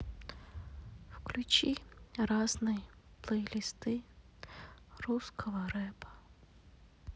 включи разные плейлисты русского рэпа